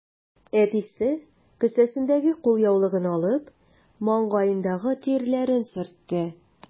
Әтисе, кесәсендәге кулъяулыгын алып, маңгаендагы тирләрен сөртте.